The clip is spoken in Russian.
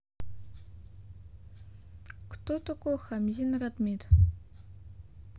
кто такой хамзин радмир